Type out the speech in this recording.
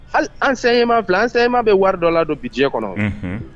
Anma anma bɛ wari dɔ la don bi ji kɔnɔ